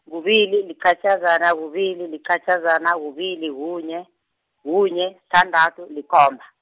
kubili liqatjhazana, kubili liqatjhazana, kubili kunye, kunye sithandathu likhomba.